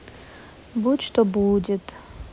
будь что будет